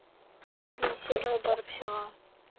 Тбилисига барып чыга.